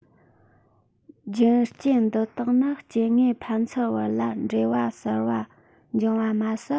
རྒྱུ རྐྱེན འདི དག ནི སྐྱེ དངོས ཕན ཚུན བར ལ འབྲེལ བ གསར པ བྱུང བ མ ཟད